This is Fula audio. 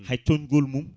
hay coñgol mum